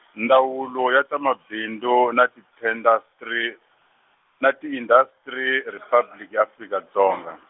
Ndzawulo ya ta Mabindzu na Titendastri-, na Tiindastri Riphabliki ya Afrika Dzonga.